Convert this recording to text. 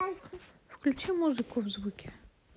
включи музыку в звуке